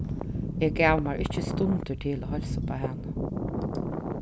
eg gav mær ikki stundir til at heilsa uppá hana